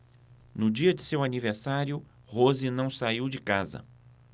no dia de seu aniversário rose não saiu de casa